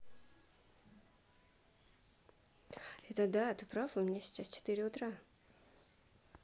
это да ты прав у меня сейчас четыре утра